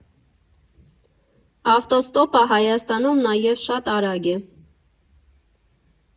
Ավտոստոպը Հայաստանում նաև շատ արագ է։